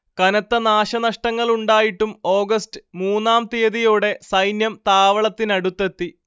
കനത്ത നാശനഷ്ടങ്ങളുണ്ടായിട്ടും ഓഗസ്റ്റ് മൂന്നാം തീയതിയോടെ സൈന്യം താവളത്തിനടുത്തെത്തി